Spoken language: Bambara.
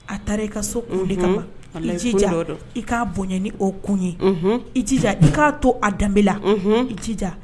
A taara i ka so kun de ka ma, unhun, walahi ko dɔ don, i jija i k'a bonya ni o kun ye, unhun, i jija i k'a to a danbe la i jija